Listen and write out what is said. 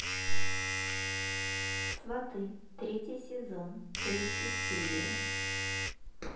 сваты третий сезон третья серия